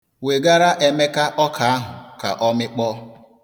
Wegara Emeka ọka ahụ ka ọ mịkpọọ.